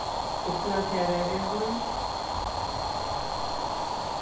fuglafjarðarvegur